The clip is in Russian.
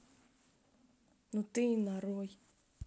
ну ты и нарой